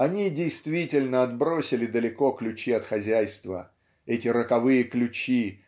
Они действительно отбросили далеко ключи от хозяйства эти роковые ключи